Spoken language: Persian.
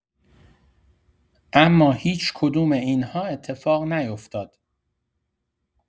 اما هیچ کدوم این‌ها اتفاق نیفتاد.